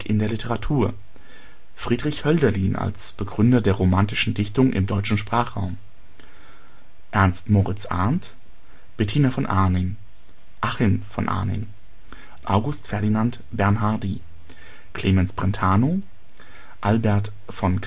Literatur Friedrich Hölderlin als Begründer der romantischen Dichtung im deutschen Sprachraum, Ernst Moritz Arndt, Bettina von Arnim, Achim von Arnim, August Ferdinand Bernhardi, Clemens Brentano, Adelbert von